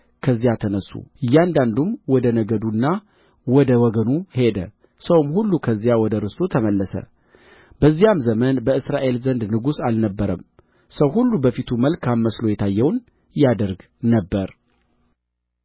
ከዚያ ተነሡ እያንዳንዱም ወደ ነገዱና ወደ ወገኑ ሄደ ሰውም ሁሉ ከዚያ ወደ ርስቱ ተመለሰ በዚያም ዘመን በእስራኤል ዘንድ ንጉሥ አልነበረም ሰው ሁሉ በፊቱ መልካም መስሎ የታየውን ያደርግ ነበር